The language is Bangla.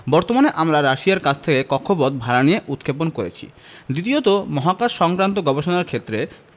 বর্তমানে আমরা রাশিয়ার কাছ থেকে কক্ষপথ ভাড়া নিয়ে উৎক্ষেপণ করেছি দ্বিতীয়ত মহাকাশসংক্রান্ত গবেষণার ক্ষেত্রে